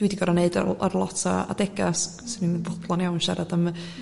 dwi 'di goro' neud a ar lot o adega s- 'swn i'm yn fodlon iawn siarad am y